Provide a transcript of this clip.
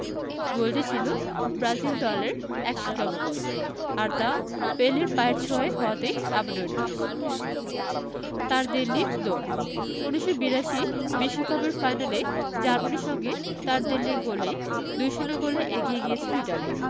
গোলটি ছিল ব্রাজিল দলের ১০০তম গোল আর তা পেলের পায়ের ছোঁয়ায় হওয়াতেই এমন উল্লাস তারদেল্লির দৌড় ১৯৮২ বিশ্বকাপের ফাইনালে জার্মানির সঙ্গে তারদেল্লির গোলেই ২ ০ গোলে এগিয়ে গিয়েছিল ইতালি